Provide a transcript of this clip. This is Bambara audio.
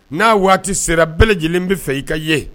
N'a waati sera bɛɛ lajɛlen bɛ fɛ i ka ye